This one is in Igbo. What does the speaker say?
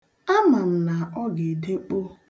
Ama m na ọ ga-edekpo.